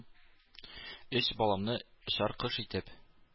Өч баламны, очар кош итеп,